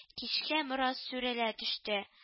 Кичкә бераз сүрелә төште